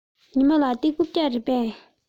ཉི མ ལགས འདི རྐུབ བཀྱག རེད པས